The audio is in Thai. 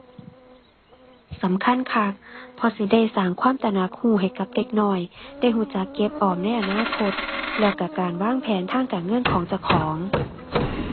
สำคัญคัก เพราะสิได้สร้างความตระหนักรู้ให้กับเด็กน้อย ได้รู้จักเก็บออมในอนาคต แล้วรู้การวางแผนทางการเงินของเจ้าของ